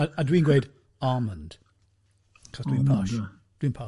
A- a- dwi'n gweud, almond, chos dwi'n posh, dwi'n posh.